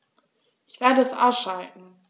Ich werde es ausschalten